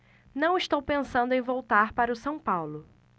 não estou pensando em voltar para o são paulo